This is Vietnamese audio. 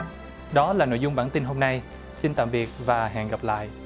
đó là nội dung bản tin hôm nay xin tạm biệt và hẹn gặp lại